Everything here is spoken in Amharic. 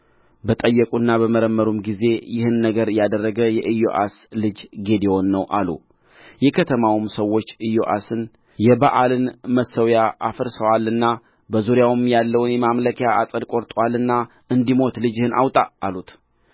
በጠየቁና በመረመሩም ጊዜ ይህን ነገር ያደረገ የኢዮአስ ልጅ ጌዴዎን ነው አሉ የከተማውም ሰዎች ኢዮአስን የበኣልን መሠዊያ አፍርሶአልና በዙሪያውም ያለውን የማምለኪያ ዐፀድ ቈርጦአልና እንዲሞት ልጅህን አውጣ አሉት